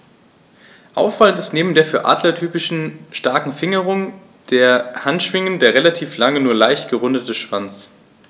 Auffallend ist neben der für Adler typischen starken Fingerung der Handschwingen der relativ lange, nur leicht gerundete Schwanz.